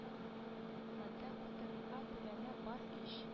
Монда утырырга бүрәнә бар ич